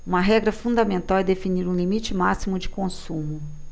uma regra fundamental é definir um limite máximo de consumo